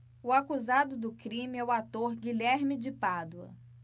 o acusado do crime é o ator guilherme de pádua